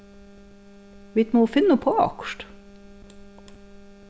vit mugu finna upp á okkurt